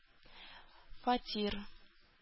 Фатир